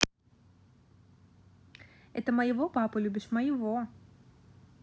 это моего папу любишь моего